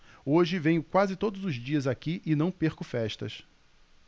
hoje venho quase todos os dias aqui e não perco festas